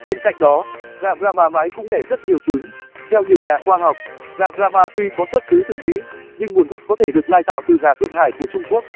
bên cạnh đó gà brahma mái cũng đẻ rất nhiều trứng theo nhiều nhà khoa học gà brahma tuy có xuất xứ từ mỹ nhưng nguồn gốc có thể được lai tạo từ gà thượng hải của trung quốc